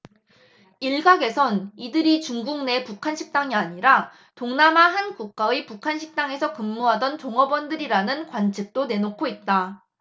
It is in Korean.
일각에선 이들이 중국내 북한 식당이 아니라 동남아 한 국가의 북한 식당에서 근무하던 종업원들이라는 관측도 내놓고 있다